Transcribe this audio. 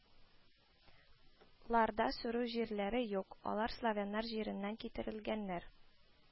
Ларда сөрү җирләре юк, алар славяннар җиреннән китерелгәннәр